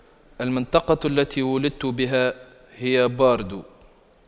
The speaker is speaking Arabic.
المنطقة التي ولدت بها هي باردو